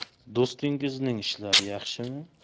do'stingizning ishlari yaxshimi